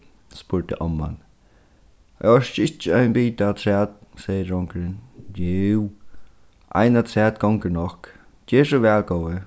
spurdi omman eg orki ikki ein bita afturat segði drongurin jú ein afturat gongur nokk ger so væl góði